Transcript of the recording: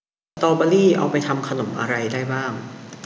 สตอเบอร์รี่เอาไปทำขนมอะไรได้บ้าง